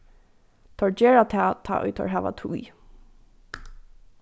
teir gera tað tá ið teir hava tíð